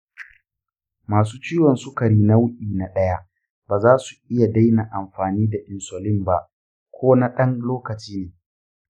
masu ciwon sukari nau’i na ɗaya ba za su iya daina amfani da insulin ba ko na ɗan lokaci ne.